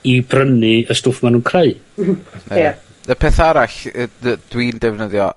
i brynu y stwff ma' nw'n creu. Mhm, ie. Y peth arall yy de- dwi'n defnyddio